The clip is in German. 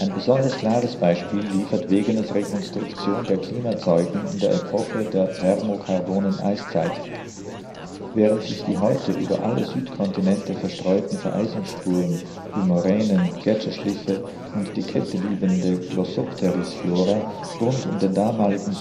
besonders klares Beispiel liefert Wegeners Rekonstruktion der Klimazeugen in der Epoche der Permo-karbonen Eiszeit: Während sich die heute über alle Südkontinente verstreuten Vereisungsspuren (wie Moränen, Gletscherschliffe, und die kälteliebende Glossopteris-Flora) rund um den damaligen